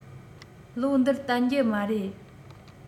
ལོ འདིར བརྟན རྒྱུ མ རེད